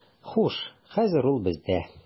Хуш, хәзер ул бездә.